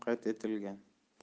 ham qayd etilgan